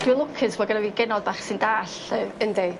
Dwi lwcus fod gyno fi genod bach sy'n dall 'lly. Yndi.